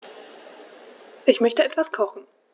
Ich möchte etwas kochen.